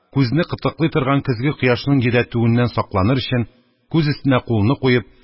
Күзне кытыклый торган көзге кояшның йөдәтүеннән сакланыр өчен, күз өстенә кулыны куеп, хәзрәтләргә таба карарга тотына иде.